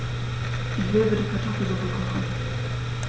Ich will bitte Kartoffelsuppe kochen.